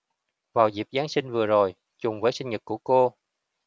vào dịp giáng sinh vừa rồi trùng với sinh nhật của cô